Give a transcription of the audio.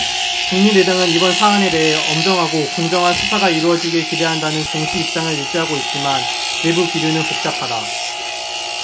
국민의당은 이번 사안에 대해 엄정하고 공정한 수사가 이뤄지길 기대한다는 공식 입장을 유지하고 있지만 내부 기류는 복잡하다